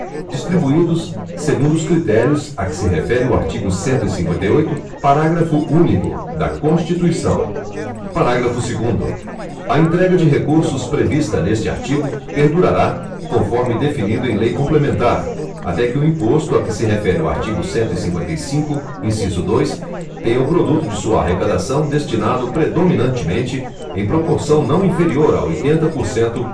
distribuídos segundo os critérios a que se refere o artigo cento e cinquenta e oito parágrafo único da constituição parágrafo segundo a entrega de recursos prevista neste artigo perdurará conforme definido em lei complementar até que o imposto a que se refere o artigo cento e cinquenta e cinco inciso dois tenha o produto de sua arrecadação destinado predominantemente em proporção não inferior a oitenta por cento